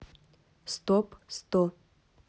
стоп сто